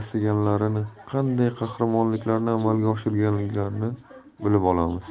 qanday qahramonliklarni amalga oshirganlarini bilib olamiz